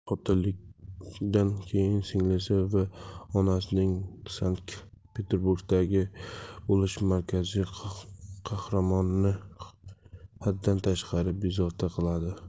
qotillikdan keyin singlisi va onasining sankt peterburgda bo'lishi markaziy qahramonni haddan tashqari bezovta qiladi